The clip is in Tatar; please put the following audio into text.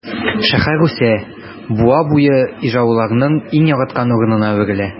Шәһәр үсә, буа буе ижауларның иң яраткан урынына әверелә.